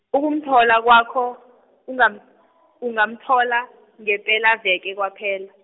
ukumthola kwakho, ungam- , ungamthola, ngepelaveke kwaphela.